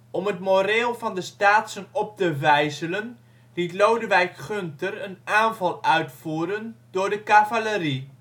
Om het moreel van de Staatsen op te vijzelen, liet Lodewijk Gunther een aanval uitvoeren door de cavalerie